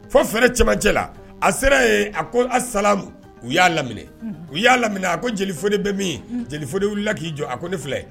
Fɔ fɛrɛ cɛmancɛ la a sera yen a ko a samu u y'a laminɛ u y'a laminɛ a ko jeli foni bɛ min jeli f wulila k'i jɔ a ko ne filɛ